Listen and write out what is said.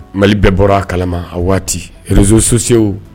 Mali bɛɛ bɔra a kala a waati zo susew